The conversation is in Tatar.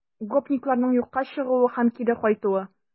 Гопникларның юкка чыгуы һәм кире кайтуы